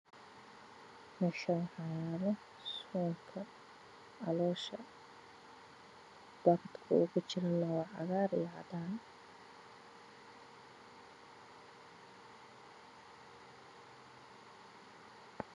Meeshaani waxaa yaalo suunka caloosha kalarka uu ku jiro waa cagaar iyo cadaan